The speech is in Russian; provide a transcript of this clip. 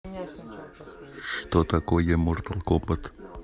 что такое мортал комбат